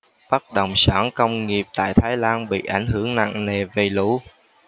bất động sản công nghiệp tại thái lan bị ảnh hưởng nặng nề vì lũ